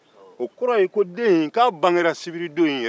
o kɔrɔ ye ko den bangera sibiridonya fɛ